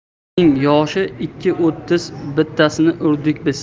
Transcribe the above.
erning yoshi ikki o'ttiz bittasini urdik biz